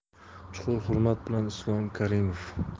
chuqur hurmat bilan islom karimov